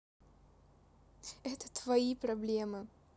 это твои проблемы